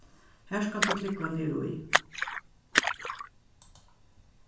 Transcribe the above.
har skalt tú klúgva niðurí